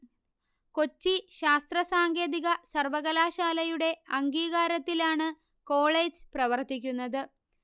കൊച്ചി ശാസ്ത്ര സാങ്കേതിക സർവ്വകലാശാലയുടെ അംഗീകാരത്തിലാണു് കോളേജു് പ്രവർത്തിക്കുന്നതു്